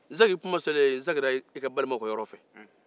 n seginna i balimaw ka yɔrɔ fɛ